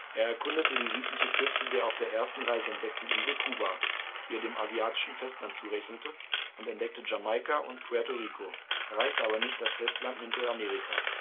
erkundete die südliche Küste der auf der ersten Reise entdeckten Insel Kuba, die er dem asiatischen Festland zurechnete und entdeckte Jamaika und Puerto Rico, erreichte aber nicht das Festland Mittelamerikas